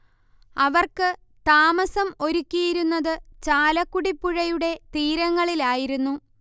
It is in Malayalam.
അവർക്ക് താമസം ഒരുക്കിയിരുന്നത് ചാലക്കുടിപ്പുഴയുടെ തീരങ്ങളിലായിരുന്നു